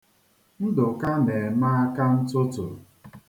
Nduka na-eme akantụtụ.